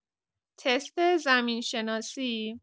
تست زمین‌شناسی